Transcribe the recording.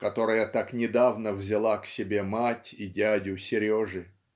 которая так недавно взяла к себе мать и дядю Сережи.